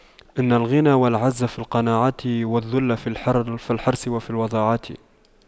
إن الغنى والعز في القناعة والذل في الحرص وفي الوضاعة